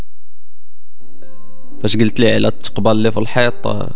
ايش قلت لي لا تقبل اللي في الحائط